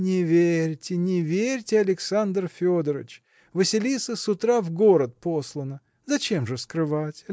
– Не верьте, не верьте, Александр Федорыч Василиса с утра в город послана. Зачем же скрывать?